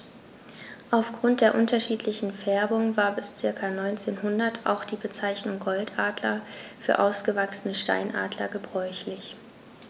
Auf Grund der unterschiedlichen Färbung war bis ca. 1900 auch die Bezeichnung Goldadler für ausgewachsene Steinadler gebräuchlich.